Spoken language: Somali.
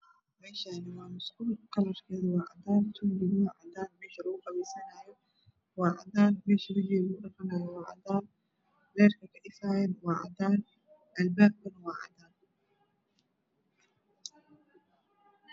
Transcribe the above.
Meshani waa musqul kalarkeedo waa cadaan tunjigunah waa cadaan meshu lagu qubeesanayo neh waa cadan meshu wijigu lagu dhaqanayo waa cadan leerga ka ififaayo waa cadan albaab kunah waa cadaan